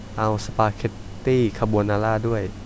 เอาสปาเก็ตตี้คาโบนาร่าด้วย